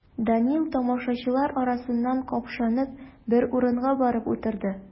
Данил, тамашачылар арасыннан капшанып, бер урынга барып утырды.